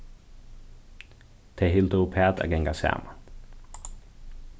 tey hildu uppat at ganga saman